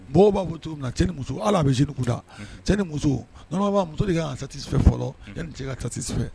Mɔgɔw ba fɔ cogo min na cɛ ni muso. Hali a be jeune kunda . Cɛ ni muso normalement muso de ka kan ka satisfait fɔlɔ yani cɛ ka satisfait